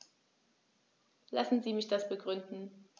Lassen Sie mich das begründen.